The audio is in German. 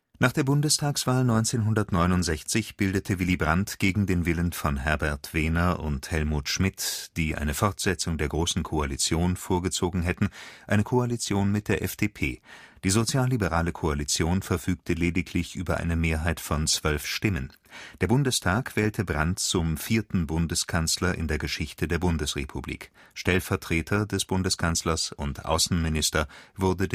Nach der Bundestagswahl 1969 bildete Willy Brandt gegen den Willen von Herbert Wehner und Helmut Schmidt, die eine Fortsetzung der Großen Koalition vorgezogen hätten, eine Koalition mit der FDP. Die sozialliberale Koalition verfügte lediglich über eine Mehrheit von zwölf Stimmen. Der Bundestag wählte Brandt zum vierten Bundeskanzler in der Geschichte der Bundesrepublik. Stellvertreter des Bundeskanzlers und Außenminister wurde